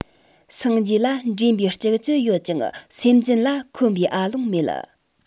སངས རྒྱས ལ འདྲེན པའི ལྕགས ཀྱུ ཡོད ཀྱང སེམས ཅན ལ འཁོན པའི ཨ ལོང མེད